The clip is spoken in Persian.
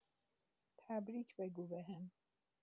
تبریک بگو بهم